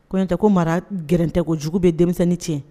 Ko in tɛ ko mara grɛn tɛ ko jugu bɛ denmisɛnnin tiɲɛ